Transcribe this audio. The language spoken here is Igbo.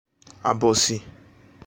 abọ̀sị̀